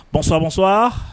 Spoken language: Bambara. Bɔnsamuso